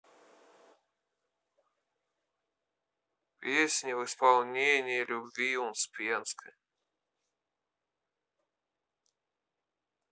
песни в исполнении любви успенской